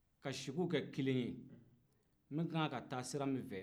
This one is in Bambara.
ka sigiw kɛ kelen ye n'u kan ka taa sira min fɛ